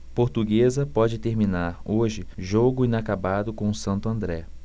portuguesa pode terminar hoje jogo inacabado com o santo andré